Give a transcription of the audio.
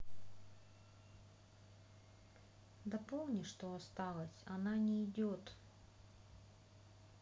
дополни что осталось она не идет